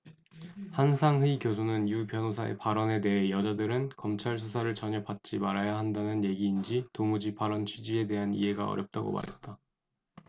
한상희 교수는 유 변호사의 발언에 대해 여자들은 검찰수사를 전혀 받지 말아야 한다는 얘기인지 도무지 발언 취지에 대한 이해가 어렵다고 말했다